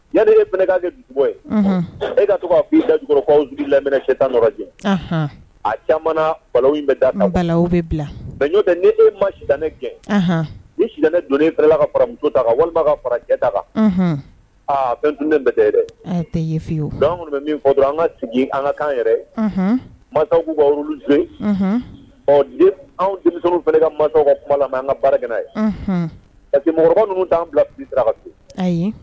Yanden yekan kɛ dugu ye e ka to'a f' i dakɔrɔ lamɛn tanjɛ a caman bɛ dalaw bɛ bila ɲɔo tɛ ni e ma ne gɛn i tilen ne don ne bɛla kamuso ta walima ka farajɛta aa fɛn tun bɛ tɛye minnu bɛ min fɔ an ka sigi an ka kan yɛrɛ makan'u ka olu ze ɔ anw denmuso fana ka ka kuma la an ka baaragɛnna ye jatigikimɔgɔ ninnu'an bila bi sira ka to ayi